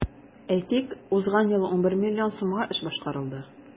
Әйтик, узган ел 11 миллион сумга эш башкарылды.